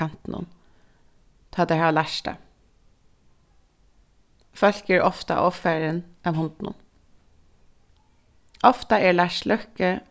kantinum tá teir hava lært tað fólk eru ofta ovfarin av hundunum ofta er lars løkke